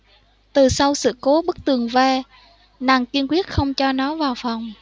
từ sau sự cố bức tường ve nàng kiên quyết không cho nó vào phòng